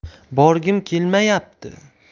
borgim kelmayapti